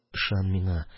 Ышан миңа.